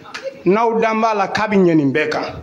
N'aw dan b'a la'a bɛ ɲ nin bɛ kan